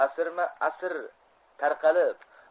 asrma asr tarqalib